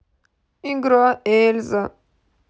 игра эльза